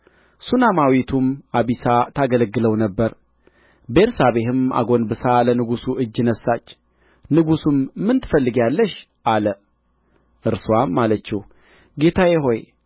ሱነማይቱም አቢሳ ታገለግለው ነበር ቤርሳቤህም አጐንብሳ ለንጉሡ እጅ ነሣች ንጉሡም ምን ትፈልጊያለሽ አለ እርስዋም አለችው ጌታዬ ሆይ